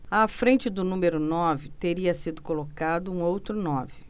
à frente do número nove teria sido colocado um outro nove